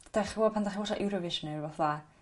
'dach ch'mo' pan 'dach chi'n watsio Eurovision ne' rwbath fel 'a